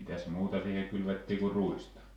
mitäs muuta siihen kylvettiin kuin ruista